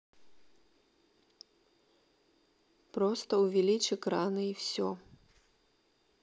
просто увеличь экраны и все